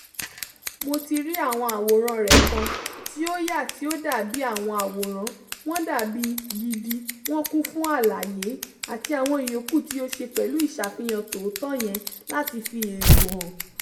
Mo ti rí àwọn àwòrán rẹ kan tí ó yà tí ó dàbí bíi àwọn àwòrán, wọ́n dabi gidi, wọ́n kún fún àlàyé...àti àwọn ìyókù tí o ṣe pẹ̀lú ìsàfihàn tòótọ́ yẹn láti fi èrò hàn.